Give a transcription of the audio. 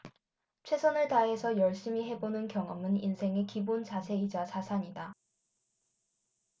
최선을 다해서 열심히 해보는 경험은 인생의 기본 자세이자 자산이다